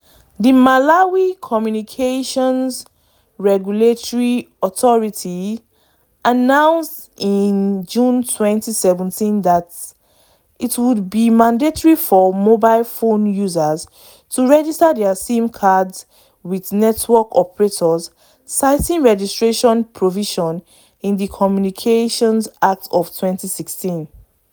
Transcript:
The Malawi Communications Regulatory Authority announced in June 2017 that it would become mandatory for mobile phone users to register their SIM cards with network operators, citing registration provisions in the Communications Act of 2016.